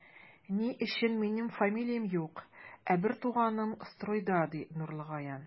Ни өчен минем фамилиям юк, ә бертуганым стройда, ди Нурлыгаян.